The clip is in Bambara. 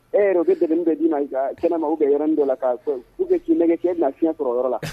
E dɛmɛ kɛ d' ma nka kɛnɛ ma u ka yɛrɛ min dɔ la k'a k'u ka k'ilɛnkɛ kɛ na fiɲɛ sɔrɔyɔrɔ yɔrɔ la